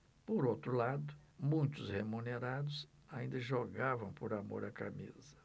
por outro lado muitos remunerados ainda jogavam por amor à camisa